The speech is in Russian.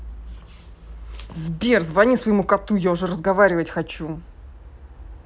сбер звони своему коту я уже разговаривать хочу